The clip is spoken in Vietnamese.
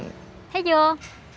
thích